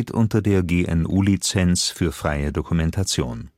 unter der GNU Lizenz für freie Dokumentation